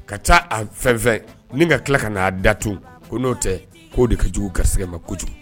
Ka taa a fɛnfɛ ni ka tila ka n'a da tun o n'o tɛ k'o de ka jugu gari ma kojugu